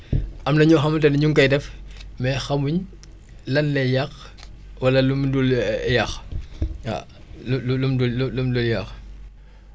am na ñoo xamante ne ñu ngi koy def mais xamuñ lan lay yàq wala lu mu dul yàq waaw lu lu lum dul lu lu mu dul yàq